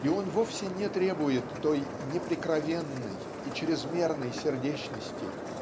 и он вовсе не требует той неприкровенной и чрезмерной сердечности